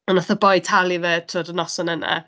Ond wnaeth y boi talu fe, timod, y noson yna.